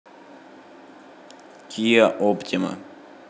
киа оптима